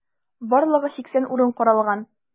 Барлыгы 80 урын каралган.